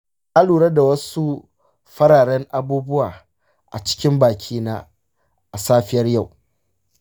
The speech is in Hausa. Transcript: na lura da wasu fararen abubwa a cikin bakina a safiyar yau.